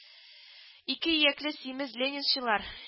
Ике иякле симез ленинчылар